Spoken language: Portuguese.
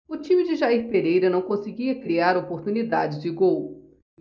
o time de jair pereira não conseguia criar oportunidades de gol